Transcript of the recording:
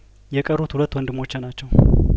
የቀሩት ሁለት ወንድሞቼ ናቸው